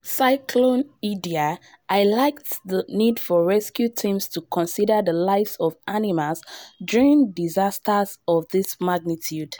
Cyclone Idai highlights the need for rescue teams to consider the lives of animals during disasters of this magnitude.